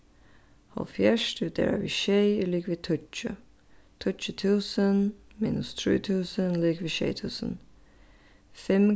hálvfjerðs dividerað við sjey er ligvið tíggju tíggju túsund minus trý túsund er ligvið sjey túsund fimm